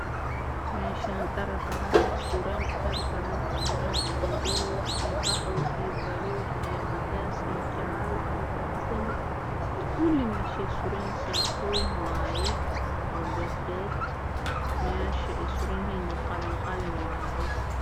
Waa carwo waxaa yaalla dhar badan oo dumar iyo niman